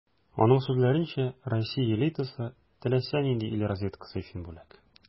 Аның сүзләренчә, Россия элитасы - теләсә нинди ил разведкасы өчен бүләк.